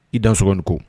I da sɔgɔnin ko